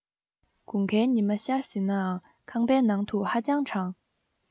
དགུན ཁའི ཉི མ ཤར ཟིན ནའང ཁང པའི ནང དུ ཧ ཅང གྲང